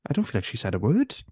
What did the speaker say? I don't feel like she said a word.